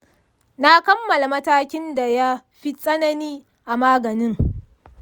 na kammala matakin da ya fi tsanani a maganin.